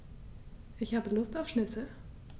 Ich habe Lust auf Schnitzel.